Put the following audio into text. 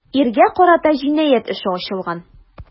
Иргә карата җинаять эше ачылган.